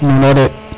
nnuno de